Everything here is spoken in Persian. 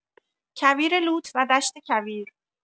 کویر لوت و دشت کویر